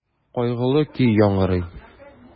Кайгылы көй яңгырый.